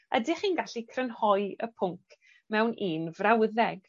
ydych chi'n gallu crynhoi y pwnc mewn un frawddeg?